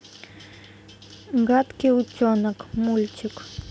гадкий утенок мультик